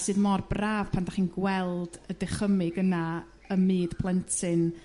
sydd mor braf pan 'dach chi'n gweld y dychymyg yna ym myd plentyn